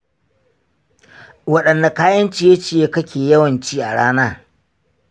waɗanne kayan ciye-ciye kake yawan ci a rana?